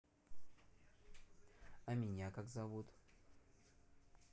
а меня как зовут